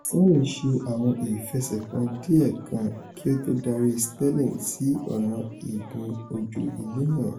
Sane ṣe àwọn ìfẹsẹ̀kàn diẹ́ kan kí ó tó darí Sterling sí ọ̀nà igun ojú-ilé náà.